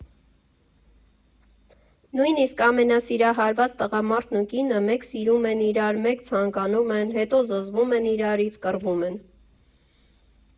Նույնիսկ ամենասիրահարված տղամարդն ու կինը մեկ սիրում են իրար, մեկ՝ ցանկանում են, հետո զզվում են իրարից, կռվում են։